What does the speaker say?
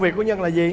việc của nhân là gì